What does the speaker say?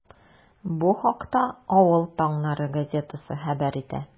Бу хакта “Авыл таңнары” газетасы хәбәр итә.